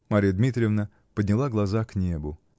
Марья Дмитриевна подняла глаза к небу.